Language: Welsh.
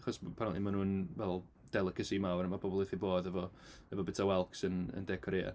Achos apparently maen nhw'n fel delicacy mawr a ma' pobl wrth ei bod efo efo bwyta whelks yn yn De Corea.